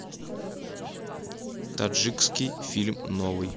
таджикский фильм новый